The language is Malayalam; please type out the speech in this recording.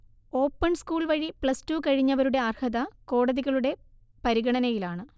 ഓപ്പൺ സ്കൂൾവഴി പ്ലസ് ടു കഴിഞ്ഞവരുടെ അർഹത കോടതികളുടെ പരിഗണനയിലാണ്